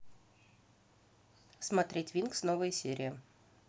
смотреть винкс новые серии